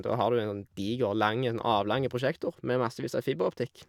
Da har du en sånn diger lang en sånn avlang prosjektor med massevis av fiberoptikk.